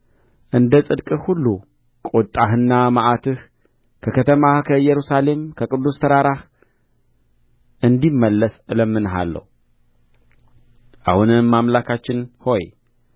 እንደ ጽድቅህ ሁሉ ቍጣህና መዓትህ ከከተማህ ከኢየሩሳሌም ከቅዱስ ተራራህ እንዲመለስ እለምንሃለሁ አሁንም አምላካችን ሆይ